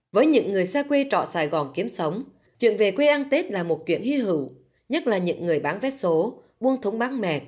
với những người xa quê trọ sài gòn kiếm sống chuyện về quê ăn tết là một chuyện hy hửu nhất là những người bán vé số buôn thúng bán mẹt